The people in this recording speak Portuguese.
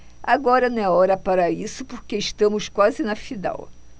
agora não é hora para isso porque estamos quase na final